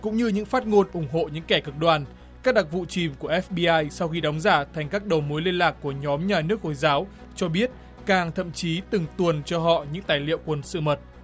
cũng như những phát ngôn ủng hộ những kẻ cực đoan các đặc vụ chìm của ép bi ai sau khi đóng giả thành các đầu mối liên lạc của nhóm nhà nước hồi giáo cho biết càng thậm chí từng tuồn cho họ những tài liệu quân sự mật